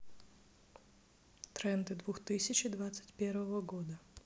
тренды двух тысячи двадцать первого года